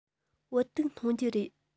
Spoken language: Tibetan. བོད ཐུག འཐུང རྒྱུ རེད